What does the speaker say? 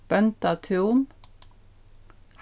bóndatún